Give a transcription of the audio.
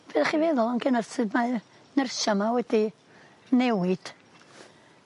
Be' o'ch feddwl ymm genod sud mae y nyrsio 'ma wedi newid?